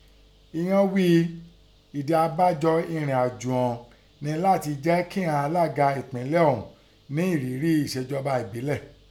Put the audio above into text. Ighọ́n ghii ìdí abájọ ìrìn àjò ọ̀ún nẹ láti jẹ́ kíghọn alága ẹ̀pínlẹ̀ ọ̀ún nẹ́ ìrírí ìṣèjọba èbílẹ̀